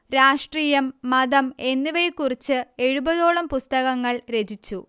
രാഷ്ട്രീയം മതം എന്നിവയെക്കുറിച്ച് എഴുപതോളം പുസ്തകങ്ങൾ രചിച്ചു